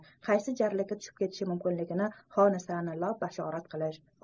qaysi jarlikka tushib ketishi mumkinligini xolisanlillo bashorat qilish